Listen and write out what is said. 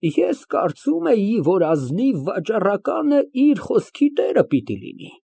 Ես կարծում էի, որ ազնիվ վաճառականն իր խոսքի տերը պիտի լինի։